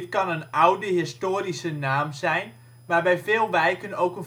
kan een oude historische naam zijn, maar bij veel wijken ook